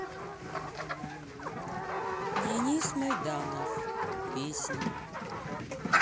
денис майданов песни